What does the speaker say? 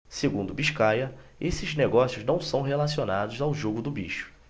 segundo biscaia esses negócios não são relacionados ao jogo do bicho